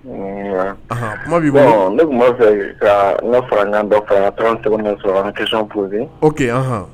Tuma bɔ ne tun ba fɛ ka ne fɔra n' dɔ ka taa tɔgɔ sɔrɔ an kɛsanoli o yan